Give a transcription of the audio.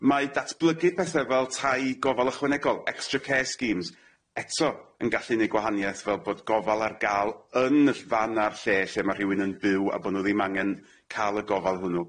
Mae datblygu pethe fel tai gofal ychwanegol ecstra cér scimes eto yn gallu neud gwahanieth fel bod gofal ar ga'l yn y ll- fan ar lle lle ma' rhywun yn byw a bo nw ddim angen ca'l y gofal hwnnw.